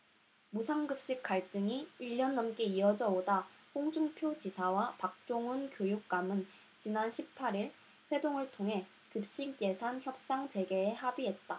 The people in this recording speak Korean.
무상급식 갈등이 일 년 넘게 이어져 오다 홍준표 지사와 박종훈 교육감은 지난 십 팔 일 회동을 통해 급식예산 협상 재개에 합의했다